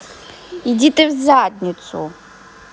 иди ты в задницу